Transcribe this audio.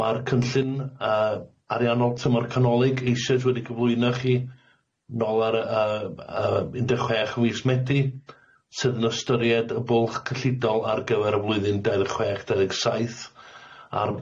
ma'r cynllun yy ariannol tymor canolig eisoes wedi cyflwyno chi nol ar yy yy yy un deg chwech o fis Medi sydd yn ystyried y bwlch cyllidol ar gyfer y flwyddyn dau ddeg chwech dau ddeg saith a'r